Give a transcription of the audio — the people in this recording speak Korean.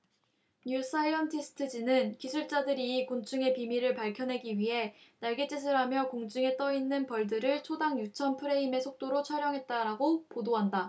뉴 사이언티스트 지는 기술자들이 이 곤충의 비밀을 밝혀내기 위해 날갯짓을 하며 공중에 떠 있는 벌들을 초당 육천 프레임의 속도로 촬영했다라고 보도한다